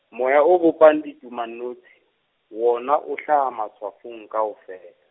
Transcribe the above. moya o bopang ditumanotshi, wona o hlaha matshwafong kaofela.